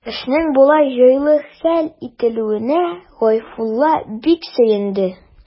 Эшнең болай җайлы хәл ителүенә Гайфулла бик сөенде.